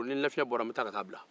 ni n lafiya bɔra n bɛ taa ka taa bila